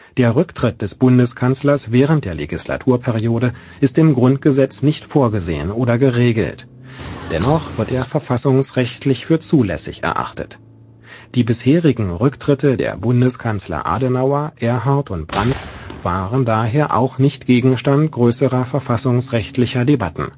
Der Rücktritt des Bundeskanzlers während der Legislaturperiode ist im Grundgesetz nicht vorgesehen oder geregelt. Dennoch wird er verfassungsrechtlich für zulässig erachtet. Die bisherigen Rücktritte der Bundeskanzler Adenauer, Erhard und Brandt waren daher auch nicht Gegenstand größerer verfassungsrechtlicher Debatten